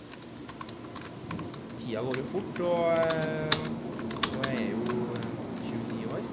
Tida går jo fort og og jeg er jo tjueni år.